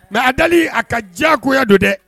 Mais a dali a kan , diyagoya don dɛ.